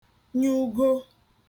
nyugo